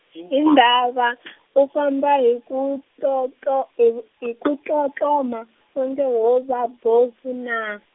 hi ndhava , u famba hiku tlotlo- hivu- hiku tlotloma wonge wo va bofu naa?